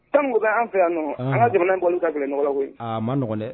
Tanku bɛ an fɛ yan nɔ ala jamana kɔni ka kɛlɛɲɔgɔn koyi a maɔgɔn dɛ